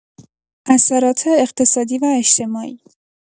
اثرات اقتصادی و اجتماعی